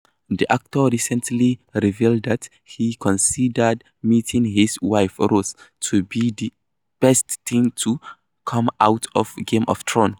The actor recently revealed that he considers meeting his wife Rose to be the best thing to come out of Game of Thrones.